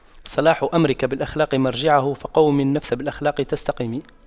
صلاح أمرك بالأخلاق مرجعه فَقَوِّم النفس بالأخلاق تستقم